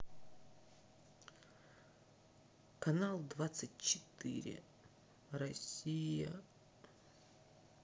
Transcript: канал двадцать четыре россия